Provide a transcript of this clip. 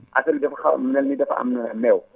affaire bi dafa mel ni dafa xaw a am meew